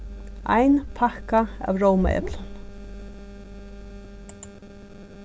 ein pakka av rómaeplum